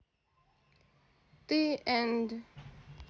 ты and